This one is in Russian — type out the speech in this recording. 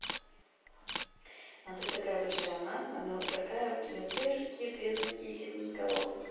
ну а ты такая большая мама она вот такая вот у нее две руки две ноги сиреноголовый